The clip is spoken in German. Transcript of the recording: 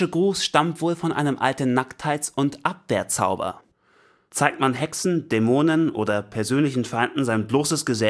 Gruß stammt wohl von einem alten Nacktheits - und Abwehrzauber. Zeigt man Dämonen, Hexen oder persönlichen Feinden sein bloßes Gesäß